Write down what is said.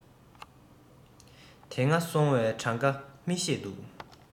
དེ སྔ སོང བའི གྲངས ཀ མི ཤེས འདུག